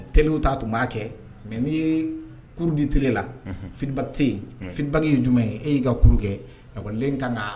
Terme ta tun b'a kɛ mais_ n'i ye cours di bolo la la feedback _tɛ yen, feedback jumɛn ye? e y'i ka cours kɛ ekɔlidn ka kan ka